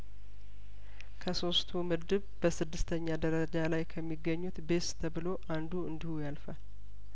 ከሶስቱምድብ በስድስተኛ ደረጃ ላይ ከሚገኙት ቤ ስት ተብሎ አንዱ እንዲሁ ያልፋል